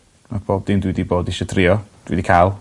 Ma' pob dim dwi 'di bod isia trio dwi 'di ca'l.